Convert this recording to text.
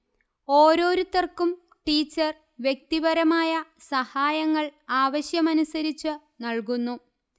ഓരോരുത്തർക്കും ടീച്ചർ വ്യക്തിപരമായ സഹായങ്ങൾ ആവശ്യമനുസരിച്ച് നൽകുന്നു